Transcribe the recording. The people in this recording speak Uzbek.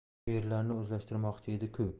bu yerlarni o'zlashtirmoqchi edi ku